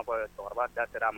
Cɛkɔrɔba dara ma